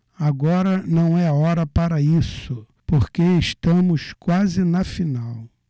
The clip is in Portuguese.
agora não é hora para isso porque estamos quase na final